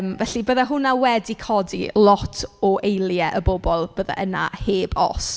Felly byddai hwnna wedi codi lot o eiliau y bobl byddai yna heb os.